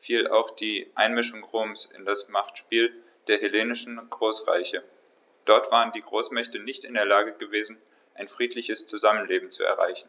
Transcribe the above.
fiel auch die Einmischung Roms in das Machtspiel der hellenistischen Großreiche: Dort waren die Großmächte nicht in der Lage gewesen, ein friedliches Zusammenleben zu erreichen.